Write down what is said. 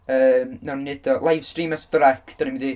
Yym, wnawn ni wneud o livestream S4C dan ni'n mynd i...